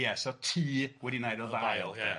Ia so tŷ wedi wneud o ddail... Ia